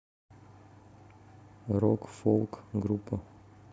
рок фолк группа